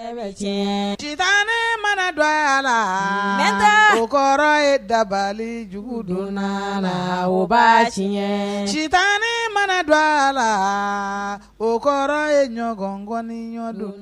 Cɛ bɛ tiɲɛɛ sitanɛɛ mana do a laa n o kɔrɔ ye dabaalijugu donn'a la o b'a tiɲɛɛ sitanɛɛ mana do a la a o kɔrɔ ye ɲɔgɔn ŋɔniɲɔ don